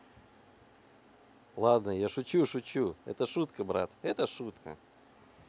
ладно я шучу шучу это шутка брат это шутка